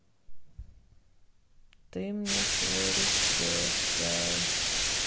ты мне свой рецепт дай